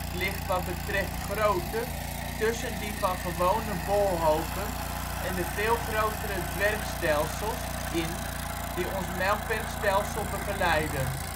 ligt wat betreft grootte tussen die van gewone bolhopen en de veel grotere dwergstelsels in die ons Melkwegstelsel begeleiden